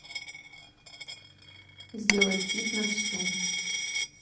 сделать вид на всю